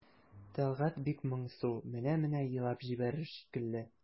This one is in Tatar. Тәлгать бик моңсу, менә-менә елап җибәрер шикелле.